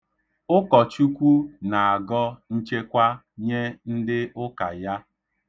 Ụkọchukwu na-agọ nchekwa nye ndị ụka ya.